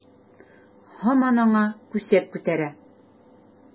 Һаман аңа күсәк күтәрә.